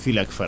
file ak fan